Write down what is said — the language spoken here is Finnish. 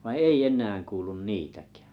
vaan ei enää kuulu niitäkään